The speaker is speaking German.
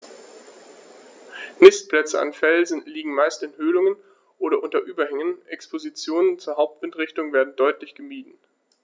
Nistplätze an Felsen liegen meist in Höhlungen oder unter Überhängen, Expositionen zur Hauptwindrichtung werden deutlich gemieden.